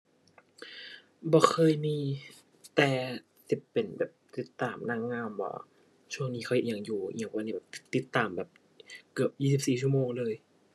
บ่เคยมี แต่สิเป็นแบบติดตามนางงามว่า ช่วงนี้ข้อยอิหยังอยู่อิหยังประมาณนี้แบบติดตามแบบ เกือบยี่สิบสี่ชั่วโมงเลย